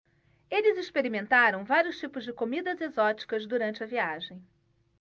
eles experimentaram vários tipos de comidas exóticas durante a viagem